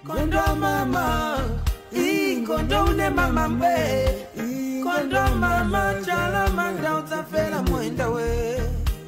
Ndima i kodɔn ne ma fɛdiba mandiyadisafɛ lamu intɔ ye